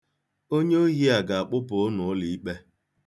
Onye ohi a ga-akpụpụ unu ụlọikpe.